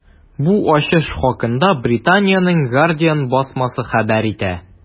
Бу ачыш хакында Британиянең “Гардиан” басмасы хәбәр итә.